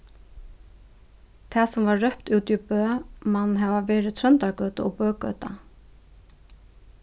tað sum var rópt úti í bø man hava verið tróndargøta og bøgøta